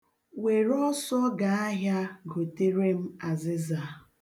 Were ọsọ gaa ahịa gotere m azịza.